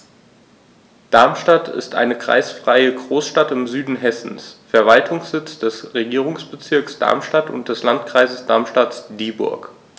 Darmstadt ist eine kreisfreie Großstadt im Süden Hessens, Verwaltungssitz des Regierungsbezirks Darmstadt und des Landkreises Darmstadt-Dieburg.